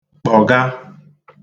kpọ̀ga